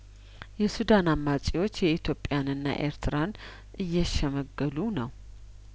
የሱዳን አማጺዎች የኢትዮጵያንና ኤርትራን እየሸ መገሉ ነው